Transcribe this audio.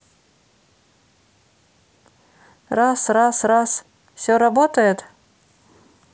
раз раз раз все работает